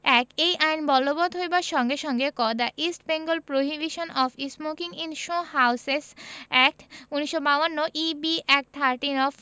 ১ এই আইন বলবৎ হইবার সংগে সংগেঃ ক the East Bengal prohibition of smoking in show houses act ১৯৫২ E B. Act thirteen of